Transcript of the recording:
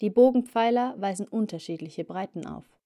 Bogenpfeiler weisen unterschiedliche Breiten auf